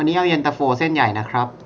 วันนี้เอาเย็นตาโฟเส้นใหญ่นะครับ